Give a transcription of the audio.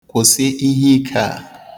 Kwụsi iheike a!